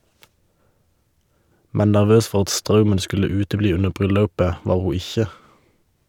Men nervøs for at straumen skulle utebli under bryllaupet, var ho ikkje.